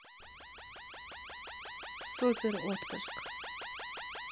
супер отпуск